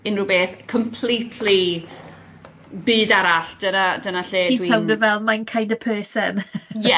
Unrhyw beth completely byd arall dyna dyna lle dwi'n... Ti'n swnio fel my kind of person.